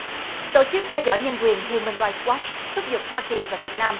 tổ chức theo dõi nhân quyền hiu mừn rai oát thúc giục hoa kỳ và việt nam